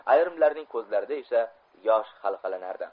ayrimlarning ko'zlarida esa yosh halqalanardi